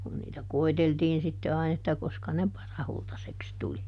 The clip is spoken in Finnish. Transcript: kun niitä koeteltiin sitten aina että koska ne parahultaiseksi tuli